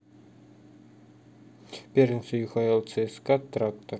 первенство юхл цска трактор